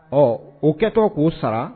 Ɔ o kɛtɔ k'u sara